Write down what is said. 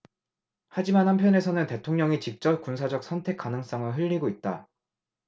하지만 한편에서는 대통령이 직접 군사적 선택 가능성을 흘리고 있다